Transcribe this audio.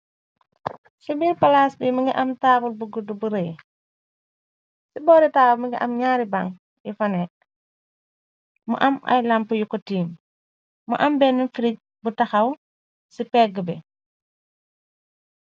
Ci mbiir palaas bi mi nga am taawal bu gudd bu rëy ci boori taawa mi nga am gñaari bang yi fonekk. Mu am ay lamp yu ko tiim. Mu am benn frij bu taxaw ci pégg bi.